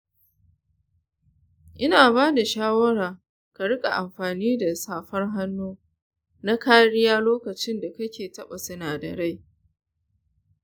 ina ba da shawara ka riƙa amfani da safar hannu na kariya lokacin da kake taɓa sinadarai.